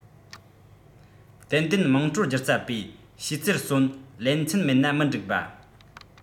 ཏན ཏན དམངས ཁྲོད སྒྱུ རྩལ པའི ཞིའི རྩེར སོན ལེ ཚན མེད ན མི འགྲིག པ